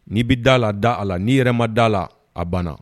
N'i bɛ da a la, da a la , n yɛrɛ ma da la, a banna